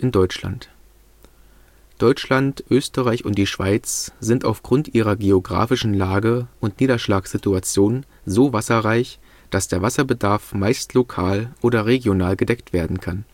Deutschland, Österreich und die Schweiz sind aufgrund ihrer geographischen Lage und Niederschlagssituation so wasserreich, dass der Wasserbedarf meist lokal oder regional gedeckt werden kann